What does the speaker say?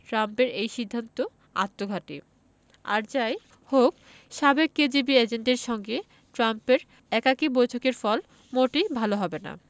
ট্রাম্পের এই সিদ্ধান্ত আত্মঘাতী আর যা ই হোক সাবেক কেজিবি এজেন্টের সঙ্গে ট্রাম্পের একাকী বৈঠকের ফল মোটেই ভালো হবে না